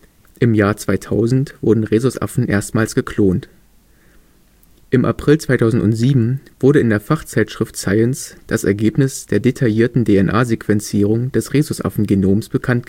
Jahr 2000 wurden Rhesusaffen erstmals geklont. Im April 2007 wurde in der Fachzeitschrift Science das Ergebnis der detaillierten DNA-Sequenzierung des Rhesusaffen-Genoms bekannt gegeben